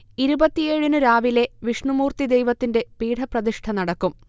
ഇരുപത്തിയേഴിന് രാവിലെ വിഷ്ണുമൂർത്തി ദൈവത്തിന്റെ പീഠപ്രതിഷ്ഠ നടക്കും